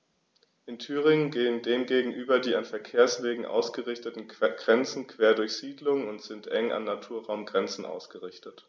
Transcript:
In Thüringen gehen dem gegenüber die an Verkehrswegen ausgerichteten Grenzen quer durch Siedlungen und sind eng an Naturraumgrenzen ausgerichtet.